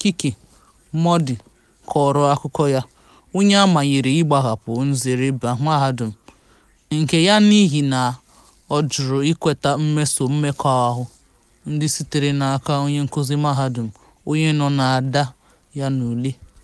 Kiki Mordi kọrọ akụkọ ya, onye a manyere ịgbahapụ nzere mahadum nke ya n'ihi na ọ jụrụ ikweta mmeso mmekọahu ndị sitere n'aka onye nkụzi mahadum onye nọ na-ada ya n'ule: